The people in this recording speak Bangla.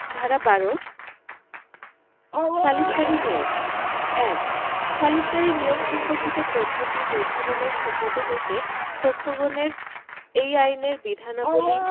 ধারা ১২ সালিসকারী নিয়োগঃ ১ সালিসকারী নিয়োগ সম্পর্কিত পদ্ধতি নির্ধারণে সম্মত হইতে পক্ষগণের এই আইনের বিধানবলী